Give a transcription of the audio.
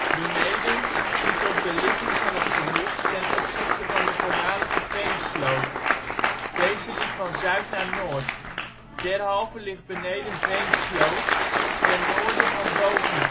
Beneden ziet op de ligging van het gehucht ten opzichte van de voormalige Veensloot. Deze liep van zuid naar noord. Derhalve ligt Beneden Veensloot ten noorden van Boven